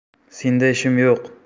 senda ishim yo'q